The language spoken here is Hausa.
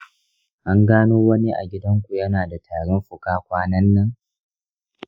an gano wani a gidanku yana da tarin fuka kwanan nan?